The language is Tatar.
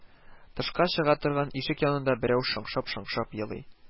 Тышка чыга торган ишек янында берәү шыңшып-шыңшып елый